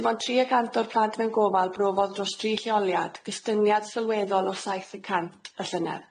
Dim ond tri y cant o'r plant mewn gofal brofodd dros dri lleoliad, gostyngiad sylweddol o saith y cant y llynedd.